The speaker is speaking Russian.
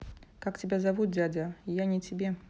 как тебя зовут дядя я не тебе